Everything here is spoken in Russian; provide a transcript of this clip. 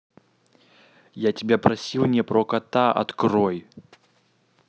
я тебя просил не про кота открой